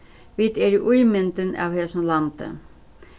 vit eru ímyndin av hesum landi